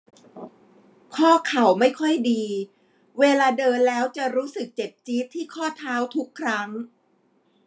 ข้อเข่าไม่ค่อยดีเวลาเดินแล้วจะรู้สึกเจ็บจี๊ดที่ข้อเท้าทุกครั้ง